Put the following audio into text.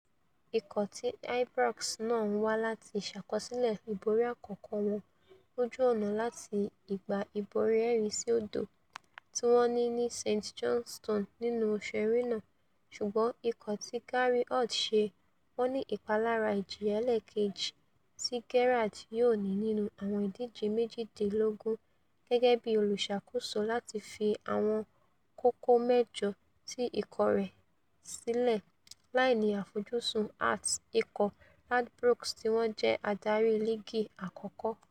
Ikọ̀ ti Ibrox náà ńwá láti ṣàkọsílẹ̀ ìborí àkọ́kọ́ wọn lójú ọ̀nà láti ìgbà ìborí 4-1 tíwọ́n ní ni St Johnstone nínú oṣù Ẹrẹ́ná, ṣùgbọ́n ikọ̀ ti Gary Holt ṣe wọ́nní ìpalára ìjìyà ẹlẹ́ẹ̀kejì tí Gerrard yóò ní nínú àwọn ìdíje méjìdínlógún gẹ́gẹ́bí olùṣàkóso láti fi àwọn kókó mẹ́jọ ti ikọ̀ rẹ̀ sílẹ̀ láìní àfojúsùn Hearts ikọ̀ Ladbrokes tíwọ́n jẹ́ adarí Líìgí Àkọ́kọ́.